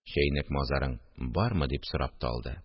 Чәйнек-мазарың бармы? – дип сорап та алды